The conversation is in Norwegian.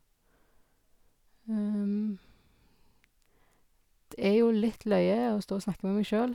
Det er jo litt løje å stå og snakke med meg sjøl.